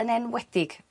yn enwedig